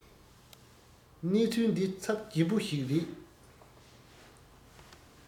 གནས ཚུལ འདི ཚབ རྗི པོ ཞིག རེད